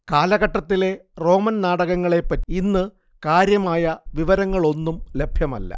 കാലഘട്ടത്തിലെ റോമൻ നാടകങ്ങളെപ്പറ്റി ഇന്നു കാര്യമായ വിവരങ്ങളൊന്നും ലഭ്യമല്ല